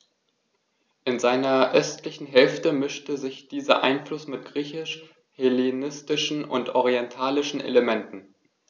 In seiner östlichen Hälfte mischte sich dieser Einfluss mit griechisch-hellenistischen und orientalischen Elementen.